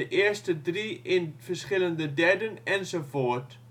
eerste drie in verschillende derden, enzovoorts